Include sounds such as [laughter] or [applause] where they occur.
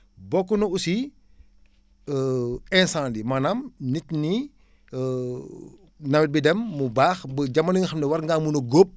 bokk na aussi [hesitation] incendie maanaam nit éni [hesitation] nawet bi dem mu baax ba jamono bi nga xam ne war ngaa mun a góob